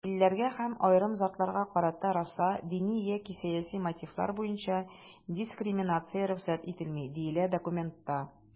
"илләргә һәм аерым затларга карата раса, дини яки сәяси мотивлар буенча дискриминация рөхсәт ителми", - диелә документта.